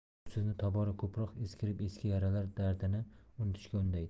bu sizni tobora ko'proq eskirib eski yaralar dardini unutishga undaydi